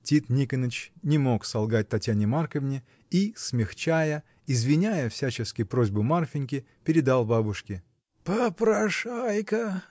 Тит Никоныч не мог солгать Татьяне Марковне и, смягчая, извиняя всячески просьбу Марфиньки, передал бабушке. — Попрошайка!